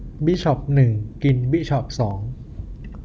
บิชอปหนึ่งกินบิชอปสอง